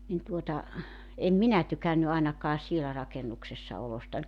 niin tuota en minä tykännyt ainakaan siellä rakennuksessa olostani